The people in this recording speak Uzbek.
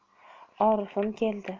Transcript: orifim keldi